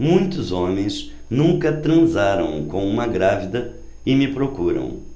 muitos homens nunca transaram com uma grávida e me procuram